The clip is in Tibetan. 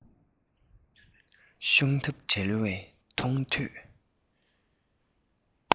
ཤོང ཐབས བྲལ བའི མཐོང ཐོས